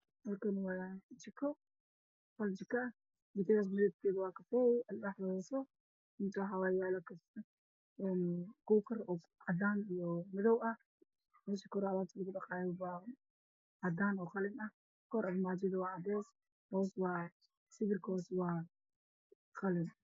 Halkan waa meel jika ah waxay iga muuqda miis qurux badan oo jaale ah